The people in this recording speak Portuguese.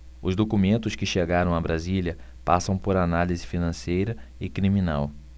os documentos que chegaram a brasília passam por análise financeira e criminal